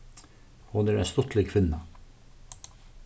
hon er ein stuttlig kvinna